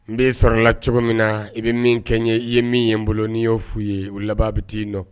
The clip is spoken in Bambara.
N b'i sɔrɔla cogo min na i bɛ min kɛ n ye i ye min ye n bolo n'i yeo f'u ye u laban bɛ t yen nɔ